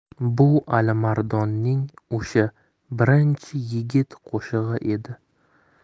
bu alimardonning o'sha birinchi yigit qo'shig'i edi